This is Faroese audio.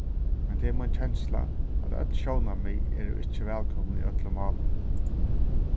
men tað er mín kensla at øll sjónarmið eru ikki vælkomin í øllum málum